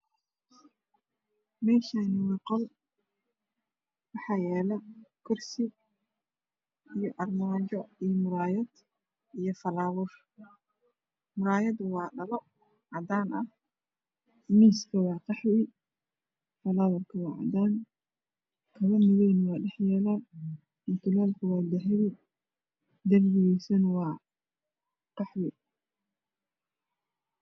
Meshaani waa qol waxaa yala kursi iyo armajo iyo falawar murayada waa dhalo cadan ah miiska waa qaxwi falawarka waa cadan kabo madowna waa dhex yalan mutuleenku waa dahabi derbigiisuna waa qaxwi